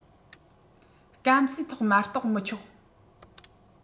སྐམ སའི ཐོག མ གཏོག མི ཆོག